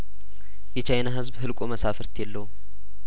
የቻይና ህዝብ ሁልቆ መሳፍርት የለውም